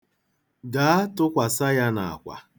Gaa, tụkwasa ya n'akwa.